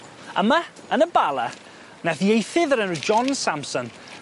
Yma, yn y Bala, nath ieithydd o'r enw John Samson